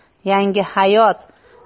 yangi hayot